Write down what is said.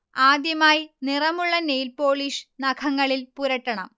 ആദ്യമായി നിറമുള്ള nail polish നഖങ്ങളിൽ പുരട്ടണം